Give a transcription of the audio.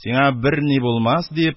Сиңа берни булмас дип,